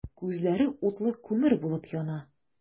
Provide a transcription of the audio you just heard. Күзләре утлы күмер булып яна.